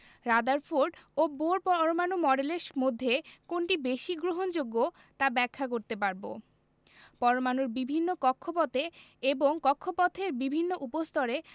Rutherford ও Bohr পরমাণু মডেলের মধ্যে কোনটি বেশি গ্রহণযোগ্য তা ব্যাখ্যা করতে পারব পরমাণুর বিভিন্ন কক্ষপথে এবং কক্ষপথের বিভিন্ন উপস্তরে